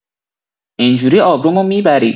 این جوری آبرومو می‌بری.